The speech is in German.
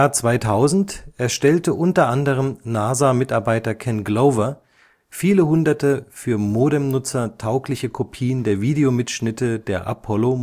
2000 erstellte unter anderem NASA-Mitarbeiter Ken Glover viele hunderte für Modem-Nutzer taugliche Kopien der Videomitschnitte der Apollo-Mondlandungen